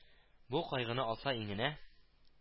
Бу кайгыны алса иңенә